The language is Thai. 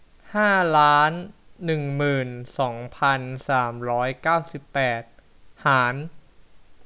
ห้าล้านหนึ่งหมื่นสองพันสามร้อยเก้าสิบแปดหาร